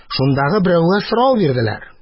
Шундагы берәүгә сорау бирделәр